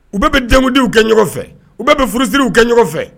U bɛ bɛ denkudiw kɛ ɲɔgɔn fɛ, u bɛ furusiw kɛ ɲɔgɔn fɛ